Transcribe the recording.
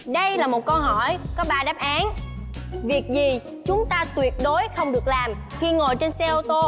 đây là một câu hỏi có ba đáp án việc gì chúng ta tuyệt đối không được làm khi ngồi trên xe ô tô